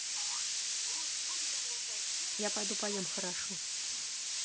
я пойду поем хорошо